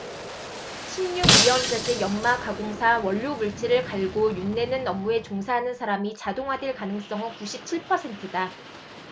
십 육 위원자재 연마 가공사 원료물질을 갈고 윤내는 업무에 종사하는 사람이 자동화될 가능성은 구십 칠 퍼센트다